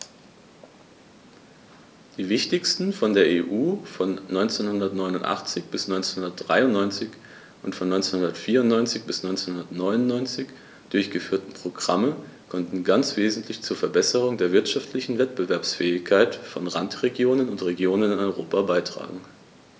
Die wichtigsten von der EU von 1989 bis 1993 und von 1994 bis 1999 durchgeführten Programme konnten ganz wesentlich zur Verbesserung der wirtschaftlichen Wettbewerbsfähigkeit von Randregionen und Regionen in Europa beitragen.